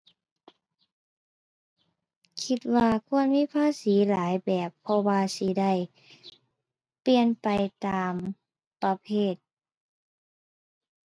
คิดว่าควรมีภาษีหลายแบบ เพราะว่าสิได้เปลี่ยนไปตามประเภท